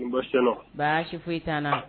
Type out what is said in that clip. N sera baasi foyi i t